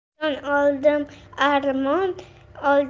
arzon oldim armon oldim